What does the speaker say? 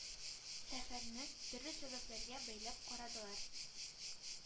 Сәфәрне төрле сәбәпләргә бәйләп карадылар.